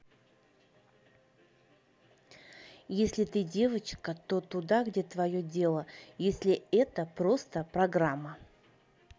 если ты девочка то туда где твое дело если это просто программа